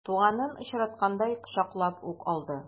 Туганын очраткандай кочаклап ук алды.